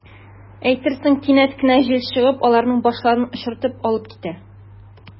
Әйтерсең, кинәт кенә җил чыгып, аларның “башларын” очыртып алып китә.